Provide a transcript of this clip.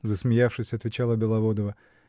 — засмеявшись, отвечала Беловодова.